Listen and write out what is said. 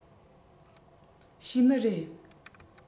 ཤེས ནི རེད